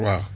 waaw